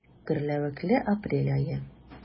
Гөрләвекле апрель ае.